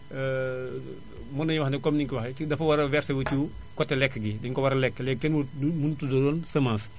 mën nañu wax ne comme ni nga ko waxee ci dafa war a versé wu ci côté lekk gi dañu ko war a lekk léegi kenn waratu ko mënatul doon semence